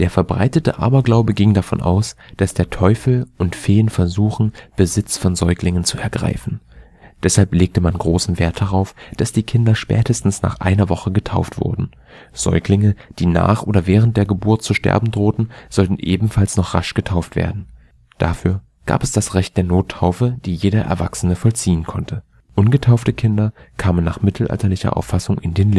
verbreitete Aberglaube ging davon aus, dass der Teufel und Feen versuchen, Besitz von Säuglingen zu ergreifen. Deshalb legte man größten Wert darauf, dass die Kinder spätestens nach einer Woche getauft wurden. Säuglinge, die nach oder während der Geburt zu sterben drohten, sollten ebenfalls noch rasch getauft werden. Dafür gab es das Recht der Nottaufe, die jeder Erwachsene vollziehen konnte. Ungetauften Kindern kamen nach mittelalterlicher Auffassung in den